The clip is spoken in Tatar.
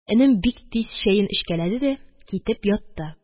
Энем бик тиз чәен эчкәләде дә китеп ятты.